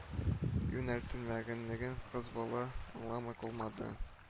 Юнәлтелмәгәнлеген кыз бала аңламый калмады